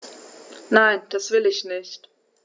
Nein, das will ich nicht.